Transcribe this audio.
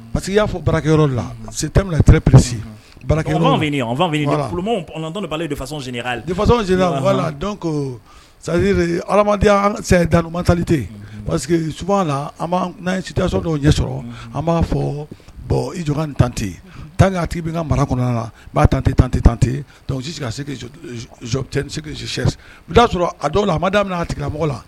Pari que y'a fɔ barakɛyɔrɔ la si te tire psi barafasɔn ko sadenya tanlite parce que su la dɔw ɲɛ sɔrɔ an b'a fɔ bɔn i jɔ tante tan a tigi bɛ ka mara kɔnɔna na b' tantɛ tantɛ tante si si'a sɔrɔ a dɔw la a ma da a tigi a mɔgɔ la